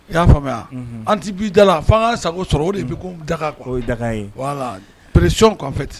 I y'a faamuya unhun an ti b'i dala f'an ŋan sago sɔrɔ o de be comme daga quoi o ye daga ye voilà pression quoi en fait